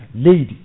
leydi